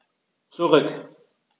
Zurück.